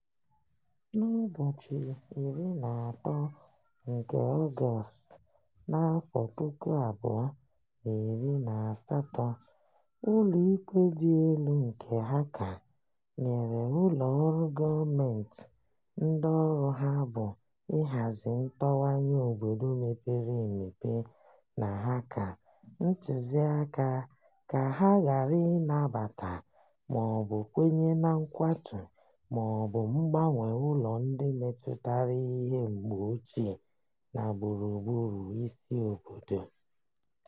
N'ụbọchị 13 nke Ọgọstụ, 2018, Ụlọ Ikpe Dị Elu nke Dhaka nyere ụlọ ọrụ gọọmentị ndị ọrụ ha bụ ịhazi ntonwanye obodo mepere emepe na Dhaka ntụziaka ka ha ghara ịnabata ma ọ bụ kwenye na nkwatu ma ọ bụ mgbanwe ụlọ ndị metụtara ihe mgbe ochie ns gburugburu isi obodo.